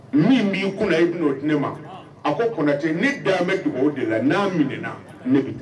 Min b'i kunna i bɛ n'o di ne ma; Han; A ko Konate ne da de bɛ dugawu de la, n'a minɛ na, ne bɛ na.